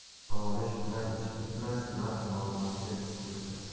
nolish bilan ish bitmas mard nomardga tiz cho'kmas